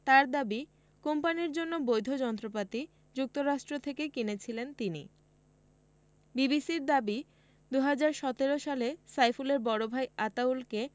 তাঁর দাবি কোম্পানির জন্য বৈধ যন্ত্রপাতি যুক্তরাষ্ট্র থেকে কিনেছিলেন তিনি বিবিসির দাবি ২০১৭ সালে সাইফুলের বড় ভাই আতাউলকে